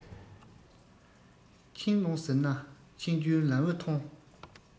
ཕྱིན གཏོང ཟེར ན ཕྱིན རྒྱུའི ལམ བུ ཐོང